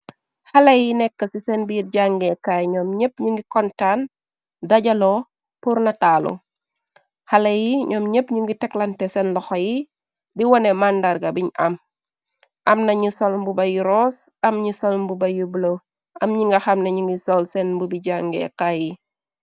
Xalé yi nekk ci seen biir jàngeekaay ñoom ñepp ñu ngi kontaan dajaloo purnataalo xalé yi ñoom ñépp ñu ngi teklante seen loxo yi di wone màndarga biñ am am na ñi sol mbuba yu ros am ñi sol mbuba yu ble am ñi nga xam na ñu ngi sol seen mbubi jàngeekaay yi.